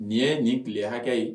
Nin ye nin tile hakɛ ye